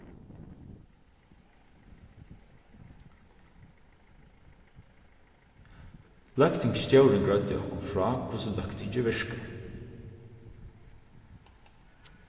løgtingsstjórin greiddi okkum frá hvussu løgtingið virkar